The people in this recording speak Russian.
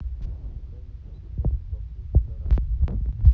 музыкальный фестиваль в баку жара